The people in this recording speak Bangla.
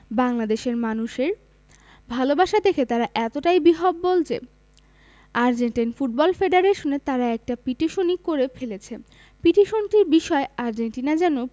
বাংলাদেশের মানুষের ভালোবাসা দেখে তারা এতটাই বিহ্বল যে আর্জেন্টাইন ফুটবল ফেডারেশনে তারা একটা পিটিশনই করে ফেলেছে পিটিশনটির বিষয় আর্জেন্টিনা যেন